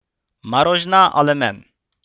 ماروژنا ئالىمەن